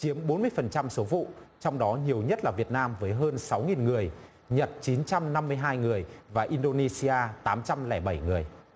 chiếm bốn mươi phần trăm số vụ trong đó nhiều nhất là việt nam với hơn sáu nghìn người nhật chín trăm năm mươi hai người và in đô nê si a tám trăm lẻ bảy người